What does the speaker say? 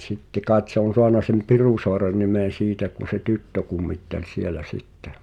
sitten kai se on saanut sen Pirusaaren nimen siitä kun se tyttö kummitteli siellä sitten